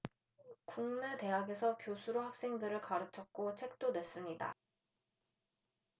국내 대학에서 교수로 학생들을 가르쳤고 책도 냈습니다